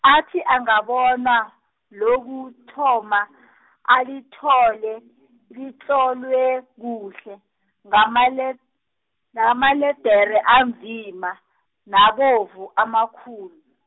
athi angabona, lokuthoma, alithole litlolwe kuhle, ngamaled-, ngamaledere anzima, nabovu amakhulu.